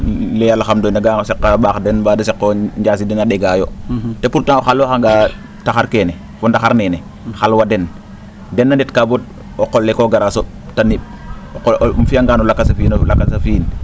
li yala xam doyna garanga a saqa mbaax den mbaa de saqooyo jaasi den a ?egaayo te pourtant o xalooxangaa taxar keene fo ndaxar neene xalwa den dena ndetka bo o qol le koo gara so? ta ni? um fi'angan o lakas a fi'in o lakas a fi'in